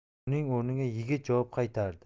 uning o'rniga yigit javob qaytardi